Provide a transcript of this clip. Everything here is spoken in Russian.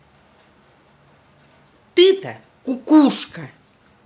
ты то кукушка